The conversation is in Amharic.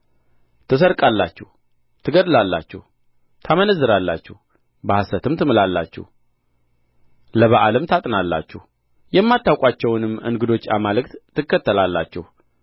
ትሰርቃላችሁ ትገድላላችሁ ታመነዝራላችሁ በሐሰትም ትምላላችሁ ለበኣልም ታጥናላችሁ የማታውቋቸውንም እንግዶች አማልክት ትከተላላችሁ